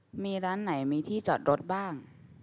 มีร้านไหนมีที่จอดรถบ้าง